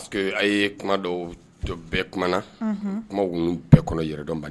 Parce que a ye kuma dɔw dɔ bɛɛ kuma na kuma bɛɛ kɔnɔ yɔrɔdɔn ban